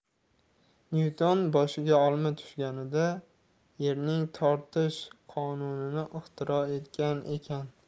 nyuton boshiga olma tushganida yerning tortish qonunini ixtiro etgan ekan